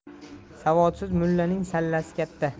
savodsiz mullaning sallasi katta